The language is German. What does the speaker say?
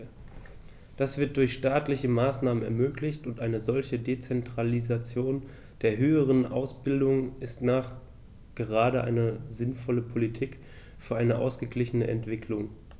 Das wird durch staatliche Maßnahmen ermöglicht, und eine solche Dezentralisation der höheren Ausbildung ist nachgerade eine sinnvolle Politik für eine ausgeglichene Entwicklung.